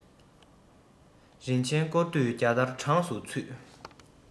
རིན ཐང སྐོར དུས བརྒྱ སྟར གྲངས སུ ཚུད